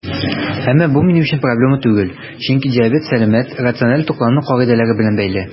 Әмма бу минем өчен проблема түгел иде, чөнки диабет сәламәт, рациональ туклану кагыйдәләре белән бәйле.